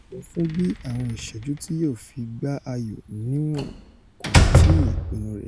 Ṣùgbọ́n fún bí àwọn ìṣẹ́jú tí yóò fi gbá ayò níwọn kò tíì pinnu rẹ̀.